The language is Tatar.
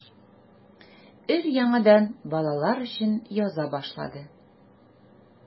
Өр-яңадан балалар өчен яза башлады.